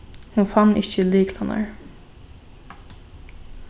hon fann ikki lyklarnar